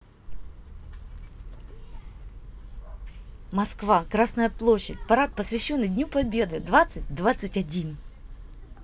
москва красная площадь парад посвященный дню победы двадцать двадцать один